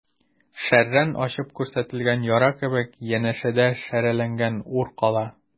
Шәрран ачып күрсәтелгән яра кебек, янәшәдә шәрәләнгән ур кала.